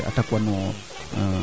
nduunja rek goma rek retaa